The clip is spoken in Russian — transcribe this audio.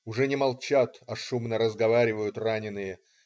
Уже не молчат, а шумно разговаривают раненые.